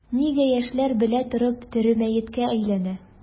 Нигә яшьләр белә торып тере мәеткә әйләнә?